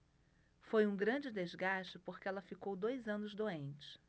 foi um grande desgaste porque ela ficou dois anos doente